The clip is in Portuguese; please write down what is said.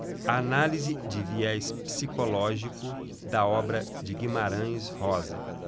análise de viés psicológico da obra de guimarães rosa